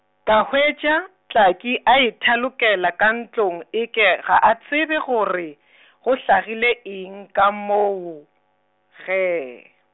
ka hwetša, Tlhaka a ithalokela ka ntlong e ke ga a tsebe gore , go hlagile eng ka moo, gee.